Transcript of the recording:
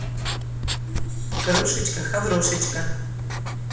крошечка хаврошечка